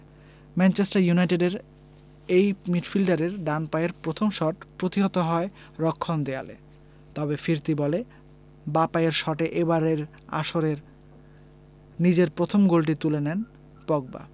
Manchester ইউনাইটেডের এই মিডফিল্ডারের ডান পায়ের প্রথম শট প্রতিহত হয় রক্ষণ দেয়ালে তবে ফিরতি বলে বাঁ পায়ের শটে এবারের আসরে নিজের প্রথম গোলটি তুলে নেন পগবা